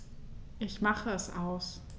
Ich mache es aus.